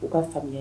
U ka faamuya